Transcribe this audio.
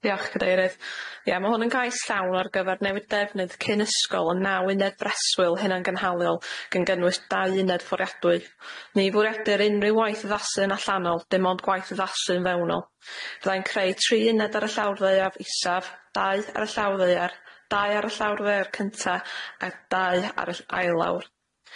Diolch Cadeirydd. Ia ma' hwn yn cais llawn ar gyfer newid defnydd cyn ysgol o naw uned breswyl hunangynhaliol gan gynnwys dau uned ffwriadwy, ni fwriadur unrhyw waith addasu yn allanol dim ond gwaith addasu'n fewnol fyddai'n creu tri uned ar y llawr ddaear isaf, dau ar y llawr ddaear, dau ar y llawr ddaear cynta a dau ar y ll- ail lawr.